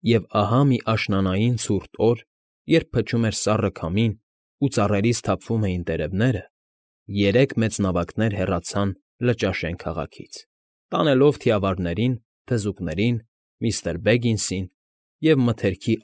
Եվ ահա մի աշնանային ցուրտ օր, երբ փչում էր սառը քամին ու ծառերից թափվում էին տերևները, երեք մեծ նավակներ հեռացան Լճաշեն քաղաքից՝ տանելով թիավարներին, թզուկներին, միստր Բեգինսին և մթերքի։